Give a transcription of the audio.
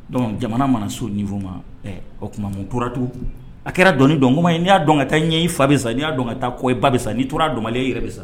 Donc jamana mana so au niveau ma ɛɛ o kuma mun toratu, a kɛra dɔnni dɔn gomaye n y'a dɔn ka taa ɲɛ i fa bɛ sa n'i'a dɔn ka taa i kɔkɔ i ba bɛ sa, n'i tora dɔnbali ye i yɛrɛ bɛ sa.